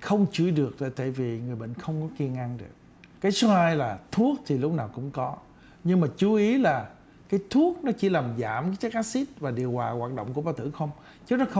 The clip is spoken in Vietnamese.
không chứ được rồi tại vì người bệnh không có kiêng ăn được cái số hai là thuốc thì lúc nào cũng có nhưng mà chú ý là cái thuốc nó chỉ làm giảm a xít và điều hòa vận động của bao tử không chứ nó không